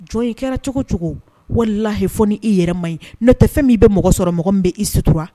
Jɔn i kɛra cogo cogo walahi fɔ ni i yɛrɛ manɲi n'o tɛ fɛn min i bɛ mɔgɔ sɔrɔ mɔgɔ min bɛ i sutura.